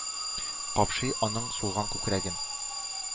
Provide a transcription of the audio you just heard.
Капшый аның сулган күкрәген!